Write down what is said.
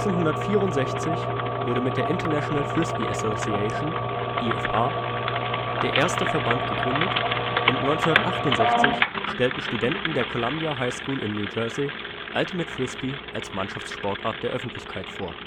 1964 wurde mit der International Frisbee Association (IFA) der erste Verband gegründet, und 1968 stellten Studenten der Columbia High School in New Jersey Ultimate Frisbee als Mannschaftssportart der Öffentlichkeit vor